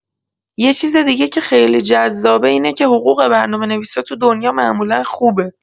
یه چیز دیگه که خیلی جذابه اینه که حقوق برنامه‌نویس‌ها تو دنیا معمولا خوبه.